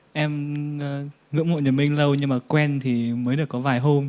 em ờ ngưỡng mộ nhật minh lâu nhưng mà quen thì mới được có vài hôm